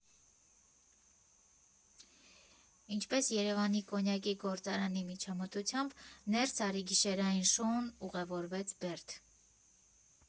Ինչպես Երևանի կոնյակի գործարանի միջամտությամբ «Ներս արի» գիշերային շոուն ուղևորվեց Բերդ։